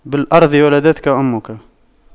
بالأرض ولدتك أمك